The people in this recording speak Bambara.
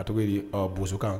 A tɔgɔ ye bokan